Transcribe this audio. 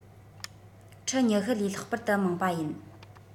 ཁྲི ༢༠ ལས ལྷག པར དུ མང བ ཡིན